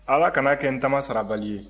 ala kana a kɛ ntaman sarabali ye